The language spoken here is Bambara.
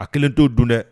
A kelen t to dun dɛ